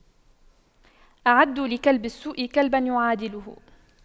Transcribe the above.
أعدّوا لكلب السوء كلبا يعادله